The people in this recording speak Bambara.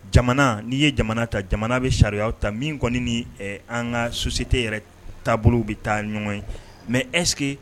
Jamana n'i ye jamana ta jamana bɛ sariya ta min kɔni ni an ka sosite yɛrɛ taabolo bɛ taa ɲɔgɔn ye mɛ eske